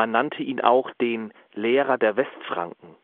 nannte ihn auch den Lehrer der West-Franken